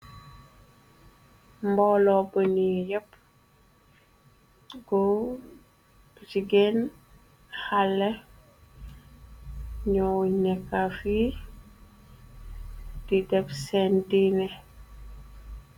mboolo bunu yépp goo cigen xale ñoo nekkafi di déb seen diné